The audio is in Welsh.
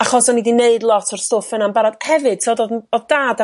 achos oni 'di 'neud lot o'r sdwff yna yn barod hefyd t'od o'dd o'dd d- dad a